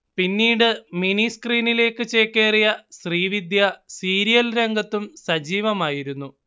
പിന്നീട് മിനി സ്ക്രീനിലേക്ക് ചേക്കേറിയ ശ്രീവിദ്യ സീരിയൽ രംഗത്തും സജീവമായിരുന്നു